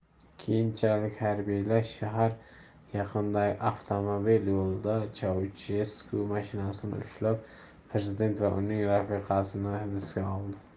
keyinchalik harbiylar shahar yaqinidagi avtomobil yo'lida chaushesku mashinasini ushlab prezident va uning rafiqasini hibsga oldi